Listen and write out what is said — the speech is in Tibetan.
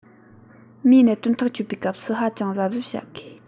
མིའི གནད དོན ཐག གཅོད པའི སྐབས སུ ཧ ཅང གཟབ གཟབ བྱ དགོས